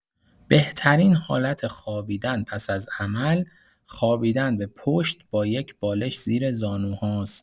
بهترین حالت خوابیدن پس از عمل، خوابیدن به پشت با یک بالش زیر زانوهاست.